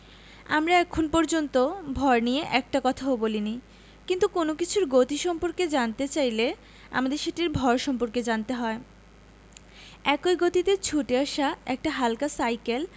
আমরা এখন পর্যন্ত ভর নিয়ে একটি কথাও বলিনি কিন্তু কোনো কিছুর গতি সম্পর্কে জানতে চাইলে আমাদের সেটির ভর সম্পর্কে জানতে হয় একই গতিতে ছুটে আসা একটা হালকা সাইকেল